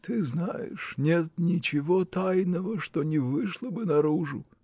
— Ты знаешь, нет ничего тайного, что не вышло бы наружу!